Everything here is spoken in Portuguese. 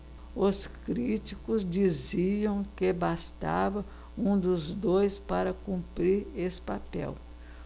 os críticos diziam que bastava um dos dois para cumprir esse papel